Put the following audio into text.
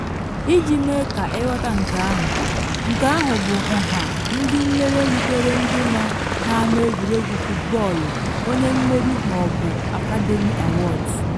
Iji mee ka ịghọta nke ahụ, nke ahụ bụ nha ndị nlele yitere ndị nọ n’ama egwuregwu futbọọlụ onye mmeri ma ọ bụ Academy Awards.